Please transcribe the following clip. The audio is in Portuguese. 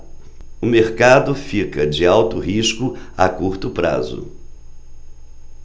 o mercado fica de alto risco a curto prazo